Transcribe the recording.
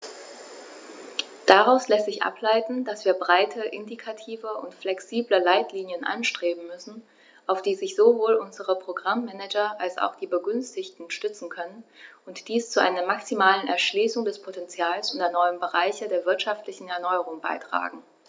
Daraus lässt sich ableiten, dass wir breite, indikative und flexible Leitlinien anstreben müssen, auf die sich sowohl unsere Programm-Manager als auch die Begünstigten stützen können und die zu einer maximalen Erschließung des Potentials der neuen Bereiche der wirtschaftlichen Erneuerung beitragen.